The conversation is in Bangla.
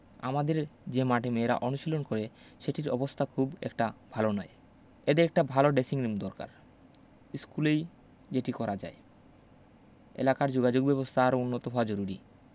আমাদের যে মাঠে মেয়েরা অনুশীলন করে সেটির অবস্তা খুব একটা ভালো নয় এদের একটা ভালো ডেসিংরুম দরকার স্কুলেই যেটি করা যায় এলাকার যুগাযুগব্যবস্থা আরও উন্নত হওয়া জরুরি